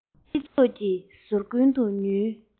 སྤྱི ཚོགས ཀྱི ཟུར ཀུན ཏུ ཉུལ